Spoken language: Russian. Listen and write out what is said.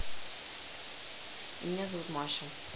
меня зовут маша